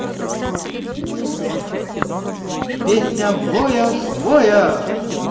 песня voyage voyage